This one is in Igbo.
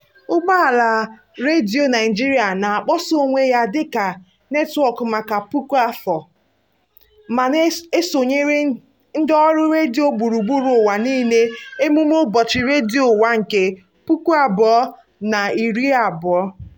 Ụgbọala Radio Nigeria na-akpọsa onwe ya dị ka "netwọk maka puku afọ," ma na-esonyere ndị ọrụ redio gburugburu ụwa n'ime emume Ụbọchị Redio Ụwa nke 2020.